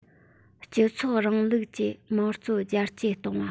སྤྱི ཚོགས རིང ལུགས ཀྱི དམངས གཙོ རྒྱ སྐྱེད བཏང བ